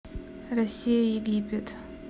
россия египет